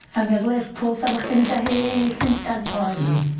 A mi o'dd Lerpwl sa fo' chdi'n mynd â hi i i Llundan. Oedd. Hmm.